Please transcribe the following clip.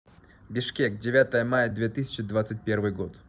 бишкек девятое мая две тысячи двадцать первый год